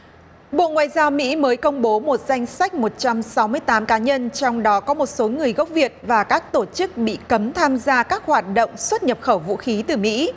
bộ ngoại giao mỹ mới công bố một danh sách một trăm sáu mươi tám cá nhân trong đó có một số người gốc việt và các tổ chức bị cấm tham gia các hoạt động xuất nhập khẩu vũ khí từ mỹ